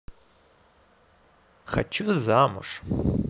хочу замуж